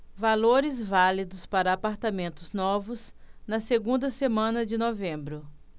valores válidos para apartamentos novos na segunda semana de novembro